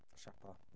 Siapo.